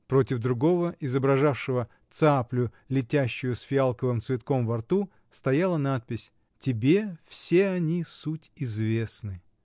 против другого, изображавшего "Цаплю, летящую с фиалковым цветком во рту", стояла надпись: "Тебе все они суть известны".